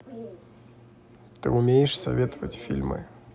ты умеешь советовать фильмы